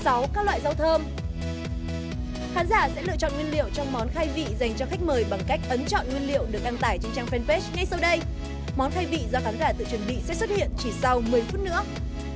sáu các loại rau thơm khán giả sẽ lựa chọn nguyên liệu cho món khai vị dành cho khách mời bằng cách ấn chọn nguyên liệu được đăng tải trên trang phan bét ngay sau đây món khai vị cho khán giả tự chuẩn bị sẽ xuất hiện chỉ sau mười phút nữa